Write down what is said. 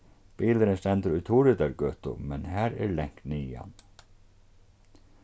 bilurin stendur í turiðargøtu men har er langt niðan